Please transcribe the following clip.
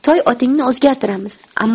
toy otingni o'zgartiramiz